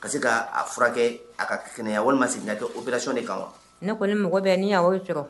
Ka se k'a furakɛ a ka kɛnɛyaya walima ma sigi jɔ o bilasi de kan wa ne kɔni ne mɔgɔ bɛ n'i y'aw cogo